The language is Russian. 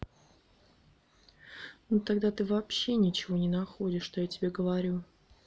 ну тогда ты вообще ничего не находишь что я тебе говорю